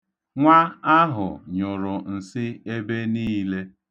Nwa ahụ nyụrụ nsị ebe niile.